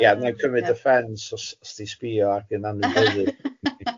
Ie nai'm cymryd yffens os os ti'n sbïo ac yn annibynu fi.